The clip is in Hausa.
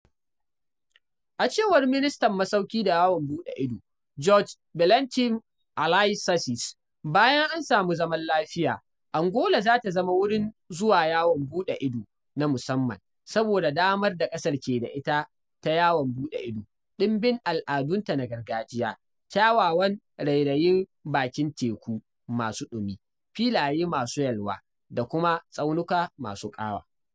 A cewar Ministan Masauƙi da Yawon Buɗe Ido, Jorge Valentim Alicerces, "bayan an samu zaman lafiya, Angola za ta zama wurin zuwa yawon buɗe ido na musamman saboda damar da ƙasar ke da ita ta yawon buɗe ido, ɗimbin al'adunta na gargajiya, kyawawan rairayin bakin teku masu ɗumi, filaye masu yalwa, da kuma tsaunukan masu ƙawa."